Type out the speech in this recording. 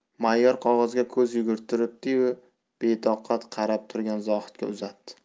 mayor qog'ozga ko'z yugurtirdi yu betoqat qarab turgan zohidga uzatdi